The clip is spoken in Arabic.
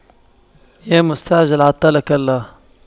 يا مستعجل عطلك الله